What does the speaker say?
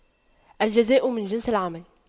الجزاء من جنس العمل